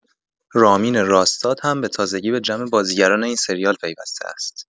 رامین راستاد هم‌به تازگی به جمع بازیگران این سریال پیوسته است.